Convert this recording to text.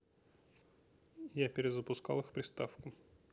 я перезапускал их приставку